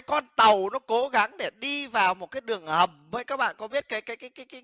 con tàu rất cố gắng để đi vào một cái đường hầm với các bạn có biết cái cái cái cái